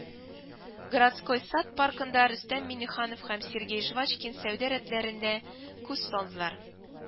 Городской сад паркында Рөстәм Миңнеханов һәм Сергей Жвачкин сәүдә рәтләренә күз салдылар: